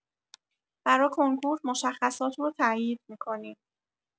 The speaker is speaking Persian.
برا کنکور مشخصات رو تایید می‌کنی.